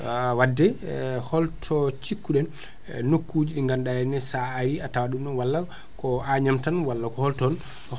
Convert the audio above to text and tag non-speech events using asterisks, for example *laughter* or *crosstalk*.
*hesitation* wadde holto cikku ɗen *breath* e nokkuji ɗi ganduɗa henna sa ari a tawat ɗum ɗon walla ko Agnam tan walla ko hol ton *breath*